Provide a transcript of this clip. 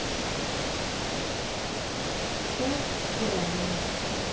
так дорамы